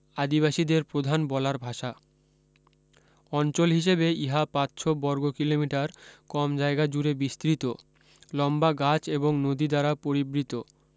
আদিবাসীদের প্রধান বলার ভাষা অঞ্চল হিসেবে ইহা পাঁচশ বর্গ কিলোমিটার কম জায়গা জুড়ে বিস্তৃত লম্বা গাছ এবং নদী দ্বারা পরিবৃত